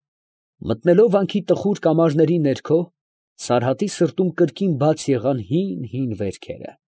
Մտնելով վանքի տխուր կամարների ներքո, Սարհատի սրտում կրկին բաց եղան հին֊հին վերքերը։